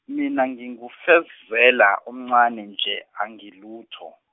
mina nginguFezela omncane nje angilutho.